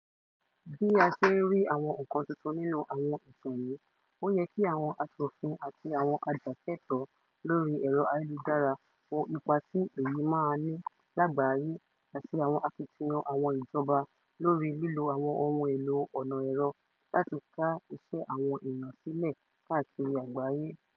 Bí a ṣe ń rí àwọn nǹkan tuntun nínú àwọn ìtàn yìí, ó yẹ kí àwọn aṣòfin àtí àwọn ajàfẹ́tọ̀ọ́ lóri ẹ̀rọ ayélujára wo àwọn ipa tí yìí máa ní lágbàáyé àti àwọn akitiyan àwọn ìjọba lórí lílo àwon ohun eelò ọ̀nà ẹ̀rọ láti ká iṣẹ́ àwọn èèyàn sílẹ̀ káàkirì ágbáyé.